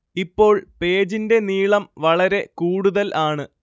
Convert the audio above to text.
ഇപ്പോൾ പേജിന്റെ നീളം വളരെ കൂടുതൽ ആണ്